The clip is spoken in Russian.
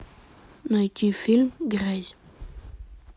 найти фильм грязь